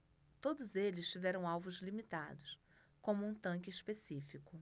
todos eles tiveram alvos limitados como um tanque específico